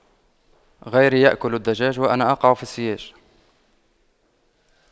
غيري يأكل الدجاج وأنا أقع في السياج